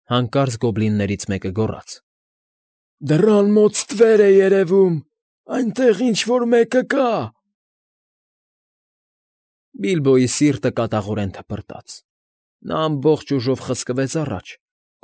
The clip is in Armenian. Հանկարծ գոբլիններից մեկը գոռաց. ֊ Դռան մոտ ստվեր է երևում… Այնտեղ ինչ֊որ մեկը կա… Բիլբոյի սիրտը կատաղորեն թպրտաց, նա ամբողջ ուժով խցկվեց առաջ,